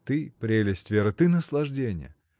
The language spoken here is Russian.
— Ты прелесть, Вера, ты наслаждение!